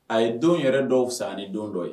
A ye don yɛrɛ dɔw fisaya ni don dɔw ye